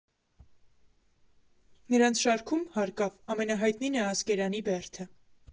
Նրանց շարքում, հարկավ, ամենահայտնին է Ասկերանի բերդը։